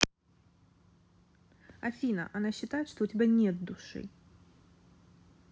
афина она считает что у тебя нет души